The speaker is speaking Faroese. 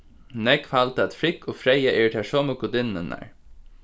nógv halda at frigg og freya eru tær somu gudinnurnar